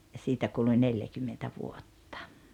ja siitä kului neljäkymmentä vuotta